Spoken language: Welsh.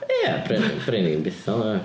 Ia bre- brenin Bethel ia.